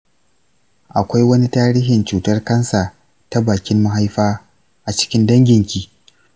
akwai wani tarihin cutar kansa ta bakin mahaifa a cikin danginki?